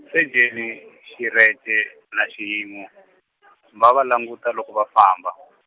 Sejeni Xirheche na Xihimu, va va languta loko va famba.